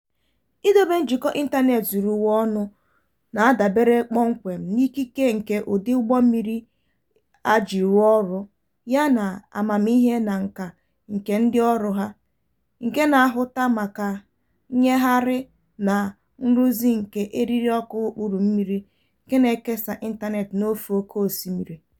Idobe njikọ ịntaneetị zuru ụwa ọnụ na-adabere kpọmkwem n'ikike nke ụdị ụgbọmmiri a iji rụọ ọrụ, yana amamihe na nkà nke ndịọrụ ha, nke na-ahụta maka nnyagharị na nrụzi nke eririọkụ okpuru mmiri nke na-ekesa ịntaneetị n'ofe oke osimiri.